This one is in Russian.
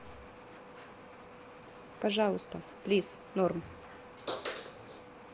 пожалуйста плиз норм